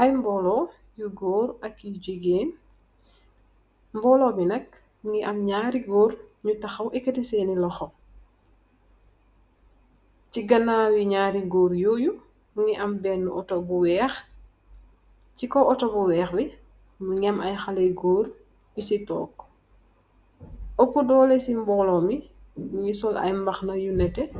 Ay mbolo yu goor ak yu jigeen mbolo bi nak mogi am naari goor yu taxaw eketi sen loxo si kanawi naari goor yoyu mogi am bena auto bu weex si kaw auto bu weex bi mogi am ay xale yu goor yu si tog opah doleh si mbolo bi nyugi sol ay mbahana yu neteh